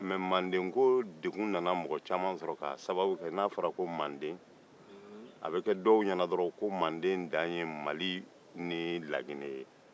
mɛ mandenko dengun nana mɔgɔ caman sɔrɔ bari n'a fɔra ko manden a bɛ kɛ dɔw ɲɛna ko manden dan ye mali ni laginɛ ye